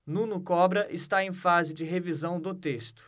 nuno cobra está em fase de revisão do texto